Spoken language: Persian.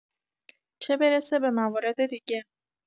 چه برسه به موارد دیگه.